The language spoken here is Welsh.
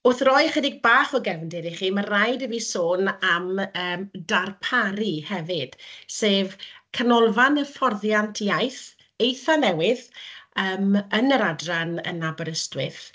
wrth roi ychydig bach o gefndir i chi, mae'n rhaid i fi sôn am, yym, DarParu hefyd, sef canolfan hyfforddiant iaith eitha newydd yym yn yr Adran yn yn Aberystwyth,